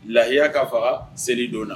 Lahiya ka faga selidon na